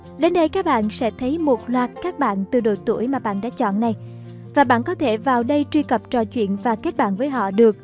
đến đây các bạn sẽ thấy loạt các bạn từ độ tuổi mà bạn đã chọn này và bạn có thể vào đây truy cập trò chuyện và kết bạn với họ được